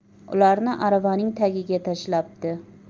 ularni aravaning tagiga tashlabdi